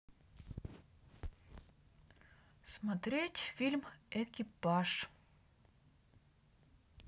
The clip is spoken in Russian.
смотреть фильм экипаж